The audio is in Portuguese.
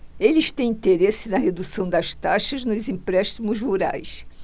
eles têm interesse na redução das taxas nos empréstimos rurais